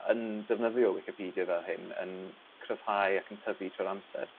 yn defnyddio wicapedia fel hyn yn cryfhau ac yn tyfu trwy'r amser.